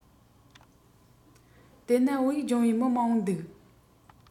དེས ན བོད ཡིག སྦྱོང བའི མི མང པོ འདུག